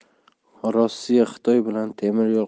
rossiya xitoy bilan temir yo'l